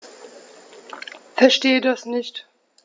Verstehe das nicht.